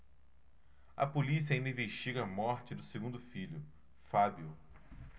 a polícia ainda investiga a morte do segundo filho fábio